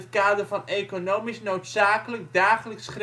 kader van economisch noodzakelijk dagelijks